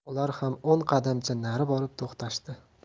ular ham o'n qadamcha nari borib to'xtashdi